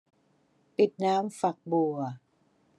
ปิดน้ำฝักบัว